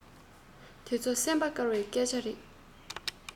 དེ ཚོ སེམས པ དཀར བའི སྐད ཆ རེད